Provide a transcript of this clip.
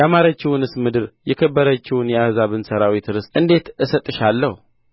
ያማረችውንስ ምድር የከበረችውን የአሕዛብን ሠራዊት ርስት እንዴት እሰጥሻለሁ